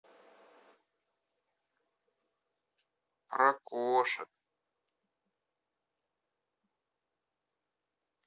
про кошек